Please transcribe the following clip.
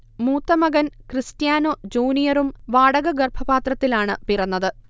മൂത്ത മകൻ ക്രിസ്റ്റ്യാനൊ ജൂനിയറും വാടക ഗർഭപാത്രത്തിലാണ് പിറന്നത്